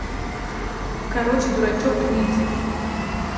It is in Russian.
короче дурачок выйти